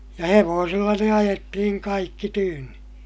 ja hevosilla ne ajettiin kaikki tyynni